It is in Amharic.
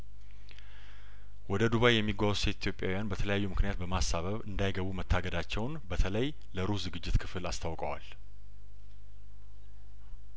ወደ ዱባይየሚ ጓዙ ሴት ኢትዮጵያውያን በተለያዩ ምክንያት በማሳበብ እንዳይገቡ መታገዳቸውን በተለይ ለሩህ ዝግጅት ክፍል አስታውቀዋል